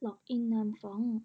ล็อกอินนามฟร้องซ์